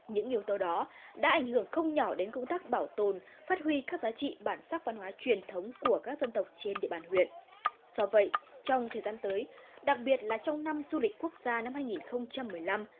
những yếu tố đó đã ảnh hưởng không nhỏ đến công tác bảo tồn phát huy các giá trị bản sắc văn hóa truyền thống của các dân tộc trên địa bàn huyện do vậy trong thời gian tới đặc biệt là trong năm du lịch quốc gia năm hai nghìn không trăm mười lăm